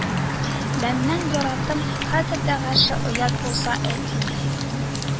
Лемнән яраттым, хәзер дә, гәрчә оят булса да әйтим,